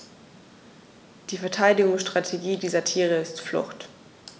Die Verteidigungsstrategie dieser Tiere ist Flucht.